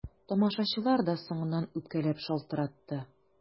Тамашачылар да соңыннан үпкәләп шалтыратты.